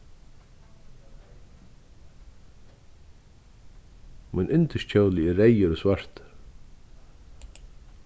mín yndiskjóli er reyður og svartur